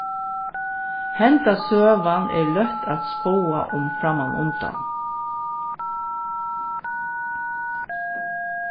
henda søgan er løtt at spáa um frammanundan